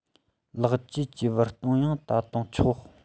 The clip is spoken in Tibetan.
ལེགས བཅོས ཀྱི བར སྟོང ཡང ད དུང ཆོག